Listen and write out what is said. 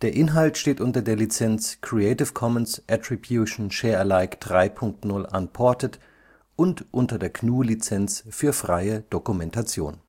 Inhalt steht unter der Lizenz Creative Commons Attribution Share Alike 3 Punkt 0 Unported und unter der GNU Lizenz für freie Dokumentation